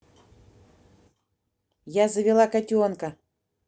я завела котенка